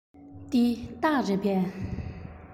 འདི སྟག རེད པས